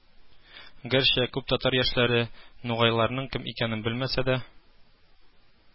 Гәрчә, күп татар яшьләре нугайларның кем икәнен белмәсә дә